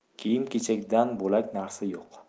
kiyim kechakdan bo'lak narsa yoq